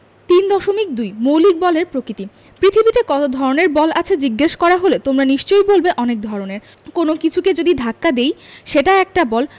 ৩.২ মৌলিক বলের প্রকৃতিঃ পৃথিবীতে কত ধরনের বল আছে জিজ্ঞেস করা হলে তোমরা নিশ্চয়ই বলবে অনেক ধরনের কোনো কিছুকে যদি ধাক্কা দিই সেটা একটা বল